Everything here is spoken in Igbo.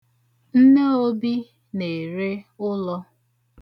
Nne Obi na-ere ụlọ